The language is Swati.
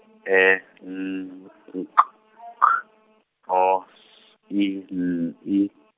E N K H O S I N I.